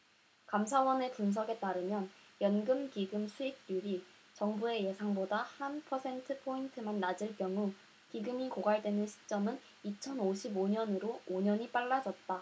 감사원의 분석에 따르면 연금기금수익률이 정부의 예상보다 한 퍼센트포인트만 낮을 경우 기금이 고갈되는 시점은 이천 오십 오 년으로 오 년이 빨라졌다